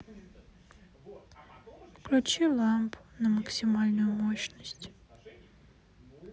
включить лампу на максимальную мощность